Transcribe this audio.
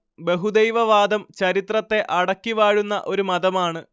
ബഹുദൈവ വാദം ചരിത്രത്തെ അടക്കി വാഴുന്ന ഒരു മതമാണ്